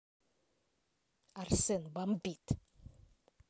арсен бомбит